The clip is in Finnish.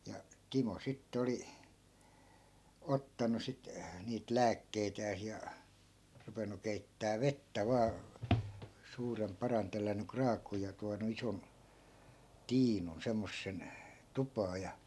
ja Timo sitten oli ottanut sitten niitä lääkkeitään ja ruvennut keittämään vettä vain suuren padan tellännyt kraakkuun ja tuonut ison tiinun semmoisen tupaan ja